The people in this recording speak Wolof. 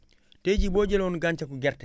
tey jii boo jëloon gàncaxu gerte